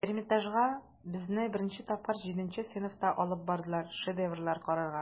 Эрмитажга безне беренче тапкыр җиденче сыйныфта алып бардылар, шедеврлар карарга.